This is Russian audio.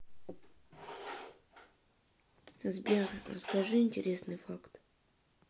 сбер расскажи интересный факт